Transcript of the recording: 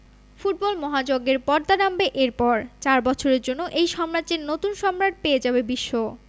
football মহাযজ্ঞের পর্দা নামবে এরপর চার বছরের জন্য এই সাম্রাজ্যের নতুন সম্রাট পেয়ে যাবে বিশ্ব